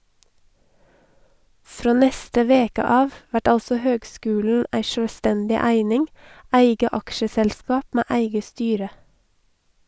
Frå neste veke av vert altså høgskulen ei sjølvstendig eining , eit eige aksjeselskap med eige styre.